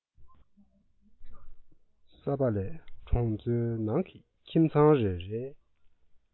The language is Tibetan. ས པ ལས གྲོང ཚོའི ནང གི ཁྱིམ ཚང རེ རེའི